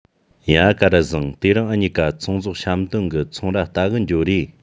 ཡ སྐལ བཟང དེ རིང འུ གཉིས ཀ ཚོང ཟོག བཤམས སྟོན གི ཚོང ར ལྟ གི འགྱོ རེས